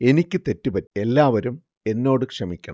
എനിക്ക് തെറ്റു പറ്റി എല്ലാവരും എന്നോട് ക്ഷമിക്കണം